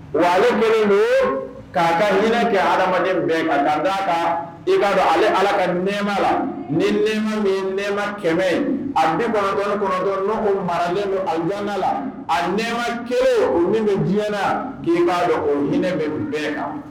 Wa ale bɛn don ye k'a ka hinɛinɛ kɛ adamadamaden bɛɛ kan ka da' a kan b'a dɔn ale ala ka nɛma la ni nɛma ni nɛma kɛmɛ a bɛ bɔra kɔrɔtɔn n' o maralen don a la a nɛma kelen o min bɛ diɲɛɲɛna k'i b'a dɔn o hinɛ bɛɛ kan